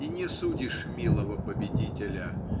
и не судишь милого победителя